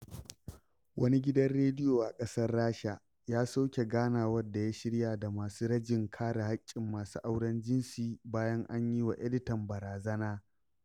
Wani gidan rediyo a ƙasar Rasha ya soke ganawar da ya shirya da masu rajin kare haƙƙin masu auren jinsi bayan an yi wa editan barazana